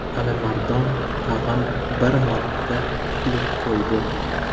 alimardon tag'in bir marta kulib qo'ydi